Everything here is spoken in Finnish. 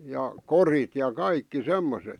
ja korit ja kaikki semmoiset